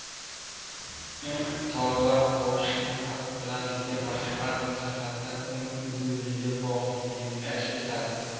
u torlar tovushining past balandligi matematik jihatdan uning uzunligiga bog'liqligini kashf etadi